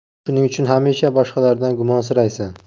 shuning uchun hamisha boshqalardan gumonsiraysan